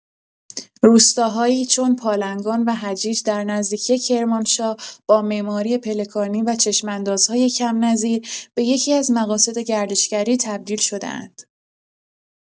روستاهایی چون پالنگان و هجیج در نزدیکی کرمانشاه با معماری پلکانی و چشم‌اندازهای کم‌نظیر به یکی‌از مقاصد گردشگری تبدیل شده‌اند.